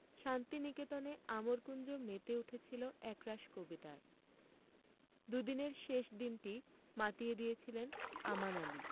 শান্তিনিকেতনে আমরকূঞ্জ মেতে উঠেছিল একরাশ কবিতায় দুদিনের শেষ দিনটি মাতিয়ে দিয়েছিলেন আমান আলি